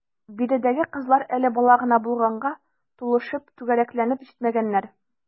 Биредәге кызлар әле бала гына булганга, тулышып, түгәрәкләнеп җитмәгәннәр.